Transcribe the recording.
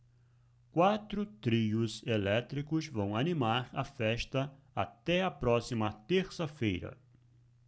quatro trios elétricos vão animar a festa até a próxima terça-feira